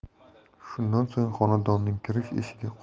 shundan so'ng xonadonning kirish